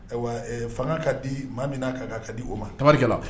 Fanga ka di maa mina kan ka ka di o ma tabarikɛ la